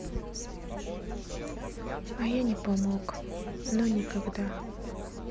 а я не помог но никогда